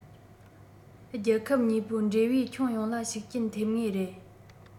རྒྱལ ཁབ གཉིས པོའི འབྲེལ བའི ཁྱོན ཡོངས ལ ཤུགས རྐྱེན ཐེབས ངེས རེད